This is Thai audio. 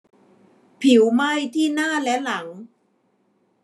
ผิวไหม้ที่หน้าและหลัง